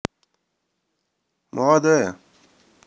молодая